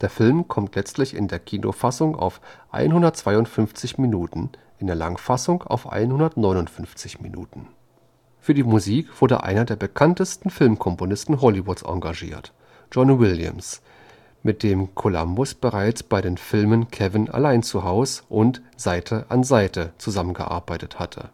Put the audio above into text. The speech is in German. Film kommt letztlich in der Kinofassung auf 152 Minuten, in der Langfassung auf 159 Minuten. [Anm. 3] John Williams komponierte die Filmmusik Für die Musik wurde einer der bekanntesten Filmkomponisten Hollywoods engagiert, John Williams, mit dem Columbus bereits bei den Filmen Kevin – Allein zu Haus und Seite an Seite zusammengearbeitet hatte